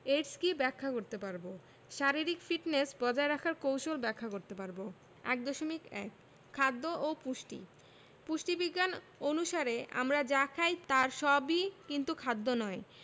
⦁ AIDS কী ব্যাখ্যা করতে পারব ⦁ শারীরিক ফিটনেস বজায় রাখার কৌশল ব্যাখ্যা করতে পারব ১.১ খাদ্য ও পুষ্টি পুষ্টিবিজ্ঞান অনুসারে আমরা যা খাই তার সবই কিন্তু খাদ্য নয়